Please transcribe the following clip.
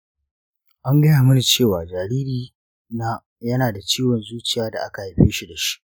an gaya mini cewa jariri na yana da ciwon zuciya da aka haife shi da shi.